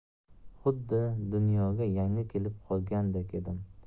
xuddi dunyoga yangi kelib qoldek edim